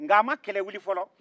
n ga a ma kɛlɛ wili fɔlɔn